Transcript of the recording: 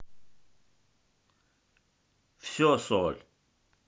все соль